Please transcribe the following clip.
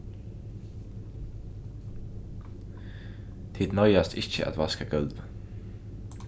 tit noyðast ikki at vaska gólvið